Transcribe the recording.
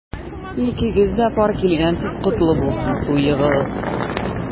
Икегез дә пар килгәнсез— котлы булсын туегыз!